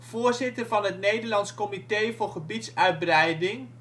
Voorzitter van het Nederlands Comité voor Gebiedsuitbreiding